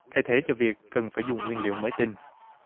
thay thế cho việc cần phải dùng nguyên liệu mới tinh